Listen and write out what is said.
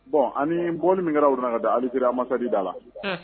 Bɔn ani bɔnɔni min kɛra u donna ka da alizse a madi da la